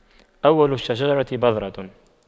أول الشجرة بذرة